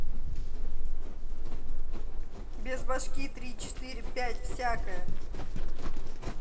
без башки три четыре пять всякая